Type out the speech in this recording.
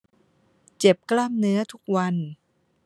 เจ็บกล้ามเนื้อทุกวัน